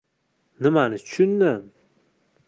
nimani tushundim